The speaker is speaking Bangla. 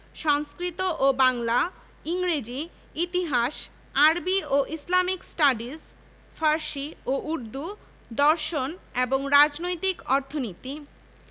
৩টি প্রস্তাবিত ৮টি ইনস্টিটিউট ৩৯টি ব্যুরো ও গবেষণা কেন্দ্র ১ হাজার ৭৫০ জন শিক্ষক ৪৩ হাজার ১০৯ জন ছাত্র ছাত্রী